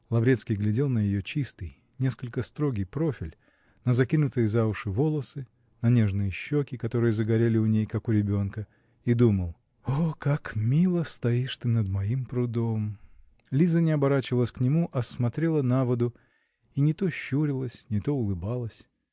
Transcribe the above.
Лаврецкий глядел на ее чистый, несколько строгий профиль, на закинутые за уши волосы, на нежные щеки, которые загорели у ней, как у ребенка, и думал: "О, как мило стоишь ты над моим прудом!" Лиза не оборачивалась к нему, а смотрела на воду и не то щурилась, не то улыбалась.